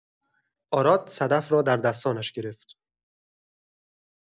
آراد صدف را در دستانش گرفت.